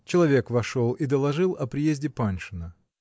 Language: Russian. Человек вошел и доложил о приезде Паншина.